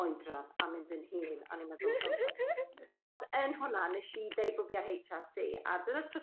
oedran a mynd yn hŷn a o'n i'n meddwl ond yn honna nesh i deu bo' fi ar Heitch Are Tee a dyna'r tro